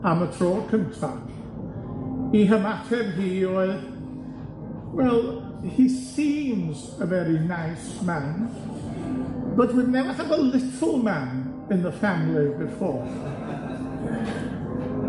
Am y tro cynta, 'i hymateb hi oedd, well, he seems a very nice man, but we've never had a little man in the family before.